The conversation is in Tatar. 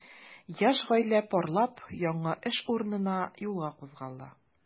Яшь гаилә парлап яңа эш урынына юлга кузгала.